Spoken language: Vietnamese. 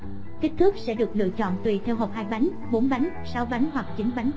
kích thước sẽ được lựa chọn tùy theo hộp bánh bánh bánh hoặc bánh trung thu